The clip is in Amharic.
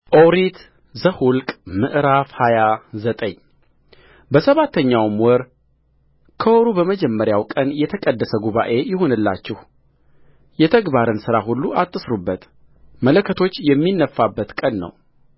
ኦሪት ዘኍልቍ ምዕራፍ ሃያ ዘጠኝ በሰባተኛውም ወር ከወሩ በመጀመሪያ ቀን የተቀደሰ ጉባኤ ይሁንላችሁ የተግባርን ሥራ ሁሉ አትሥሩበት መለከቶች የሚነፉበት ቀን ነው